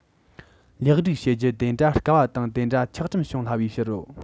ལེགས སྒྲིག བྱེད རྒྱུ དེ འདྲ དཀའ བ དང དེ འདྲ ཆག གྲུམ བྱུང སླ བའི ཕྱིར རོ